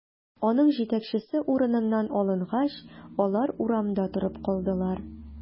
Аның җитәкчесе урыныннан алынгач, алар урамда торып калдылар.